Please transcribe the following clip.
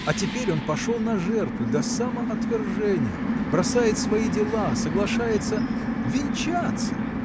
А теперь он пошел на жертвы до самоотвержения: бросает свои дела, соглашается. венчаться!